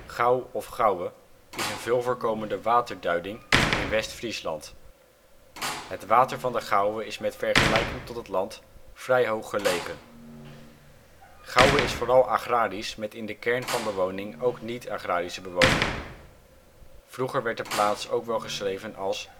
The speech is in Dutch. gouwe heet. Gouw of gouwe is een veelvoorkomende waterduiding in West-Friesland. Het water van de Gouwe is met vergelijking tot het land vrij hoog gelegen. Gouwe is vooral agrarisch met in de kern van bewoning ook niet agrarische bewoning. Vroeger werd de plaats ook wel geschreven als